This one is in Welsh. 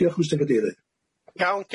Diolch yn fawr.